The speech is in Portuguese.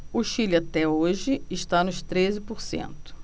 o chile até hoje está nos treze por cento